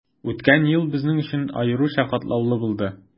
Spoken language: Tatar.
Үткән ел безнең өчен аеруча катлаулы булды.